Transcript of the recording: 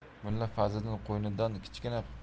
mulla fazliddin qo'ynidan kichkina